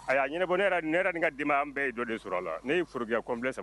Ayiwa ɲbɔ ne ne yɛrɛ nin ka di an bɛɛ ye dɔ de sɔrɔ a la ne ye forojɛya kɔnbilen saba